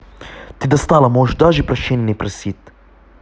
ты достала можешь даже прощения не просить